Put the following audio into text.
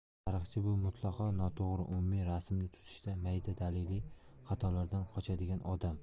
tarixchi bu mutlaqo noto'g'ri umumiy rasmni tuzishda mayda daliliy xatolardan qochadigan odam